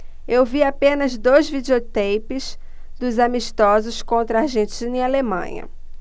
eu vi apenas dois videoteipes dos amistosos contra argentina e alemanha